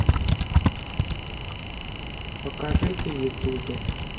покажите ютубе